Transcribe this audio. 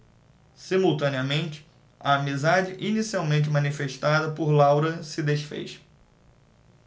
simultaneamente a amizade inicialmente manifestada por laura se disfez